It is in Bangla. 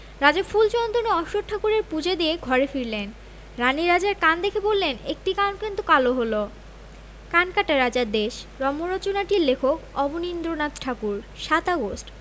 রাজা ফুল চন্দনে অশ্বত্থ ঠাকুরের পুজো দিয়ে ঘরে ফিরলেন রানী রাজার কান দেখে বললেন একটি কান কিন্তু কালো হল' 'কানকাটা রাজার দেশ' রম্যরচনাটির লেখক অবনীন্দ্রনাথ ঠাকুর ৭ আগস্ট